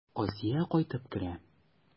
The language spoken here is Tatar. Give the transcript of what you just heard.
Асия кайтып керә.